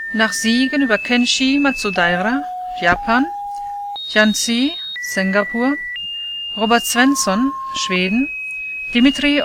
Nach Siegen über Kenji Matsudaira (Japan), Yang Zi (Singapur), Robert Svensson (Schweden), Dimitrij